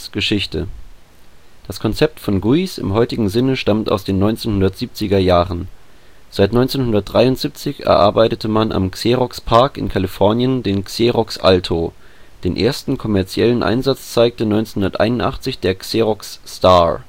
Das Konzept von GUIs im heutigen Sinne stammt aus den 1970er Jahren. Seit 1973 erarbeitete man am Xerox PARC in Kalifornien den Xerox Alto. Den ersten kommerziellen Einsatz zeigte 1981 der Xerox Star